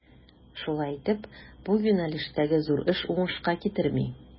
Шулай итеп, бу юнәлештәге зур эш уңышка китерми.